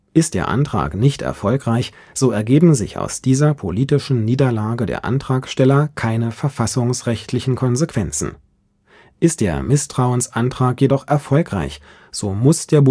Ist der Antrag nicht erfolgreich, so ergeben sich aus dieser politischen Niederlage der Antragsteller keine verfassungsrechtlichen Konsequenzen. Ist der Misstrauensantrag jedoch erfolgreich, so muss der